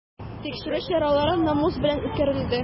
Тикшерү чаралары намус белән үткәрелде.